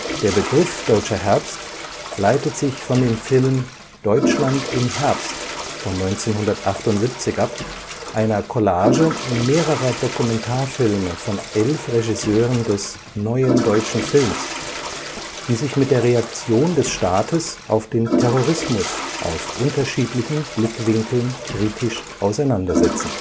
Der Begriff „ Deutscher Herbst “leitet sich von dem Film Deutschland im Herbst von 1978 ab, einer Collage mehrerer Dokumentarfilme von elf Regisseuren des „ Neuen Deutschen Films “, die sich mit der Reaktion des Staates auf den Terrorismus aus unterschiedlichen Blickwinkeln kritisch auseinandersetzen